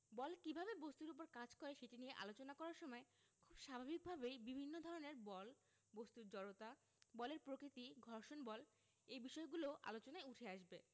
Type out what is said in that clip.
বল কীভাবে বস্তুর উপর কাজ করে সেটি নিয়ে আলোচনা করার সময় খুব স্বাভাবিকভাবেই বিভিন্ন ধরনের বল বস্তুর জড়তা বলের প্রকৃতি ঘর্ষণ বল এই বিষয়গুলোও আলোচনায় উঠে আসবে